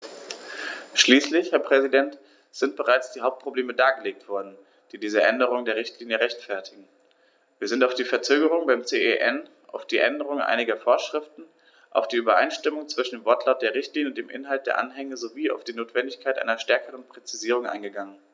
Schließlich, Herr Präsident, sind bereits die Hauptprobleme dargelegt worden, die diese Änderung der Richtlinie rechtfertigen, wir sind auf die Verzögerung beim CEN, auf die Änderung einiger Vorschriften, auf die Übereinstimmung zwischen dem Wortlaut der Richtlinie und dem Inhalt der Anhänge sowie auf die Notwendigkeit einer stärkeren Präzisierung eingegangen.